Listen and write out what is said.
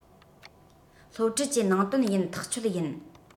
སློབ ཁྲིད ཀྱི ནང དོན ཡིན ཐག ཆོད ཡིན